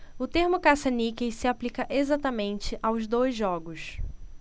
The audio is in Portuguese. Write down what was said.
o termo caça-níqueis se aplica exatamente aos dois jogos